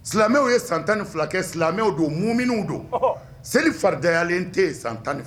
Silamɛmɛw ye san tanni fila kɛ silamɛmɛw don mun minnuw don seli fariyalen tɛ yen san tanni